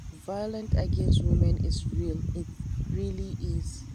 Violence against women is real, it really is.